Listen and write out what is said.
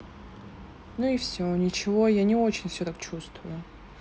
ну и все ничего я не очень все так чувствую